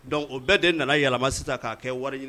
Dɔnku o bɛɛ de nana yɛlɛma sisan k'a kɛ wari ɲini